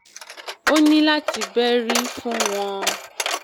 O ní láti bẹ́rí fún wọn,